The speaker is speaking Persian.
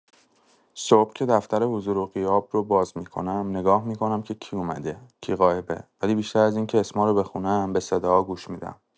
صبح که دفتر حضور و غیاب رو باز می‌کنم، نگاه می‌کنم که کی اومده، کی غایبه، ولی بیشتر از اینکه اسما رو بخونم، به صداها گوش می‌دم.